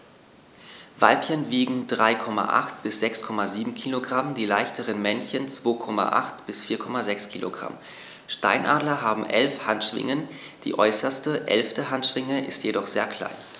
Weibchen wiegen 3,8 bis 6,7 kg, die leichteren Männchen 2,8 bis 4,6 kg. Steinadler haben 11 Handschwingen, die äußerste (11.) Handschwinge ist jedoch sehr klein.